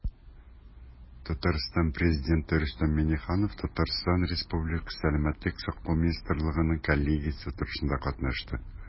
Татарстан Республикасы Президенты Рөстәм Миңнеханов ТР Сәламәтлек саклау министрлыгының коллегиясе утырышында катнашты.